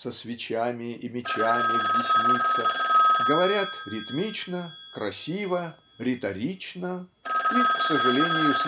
со свечами и мечами в десницах говорят ритмично красиво риторично и к сожалению